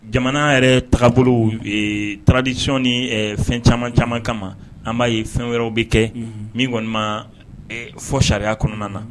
Jamana yɛrɛ taga bolo taaradisi ni fɛn caman caman kama an b'a ye fɛn wɛrɛw bɛ kɛ min kɔni ma fɔ sariya kɔnɔna na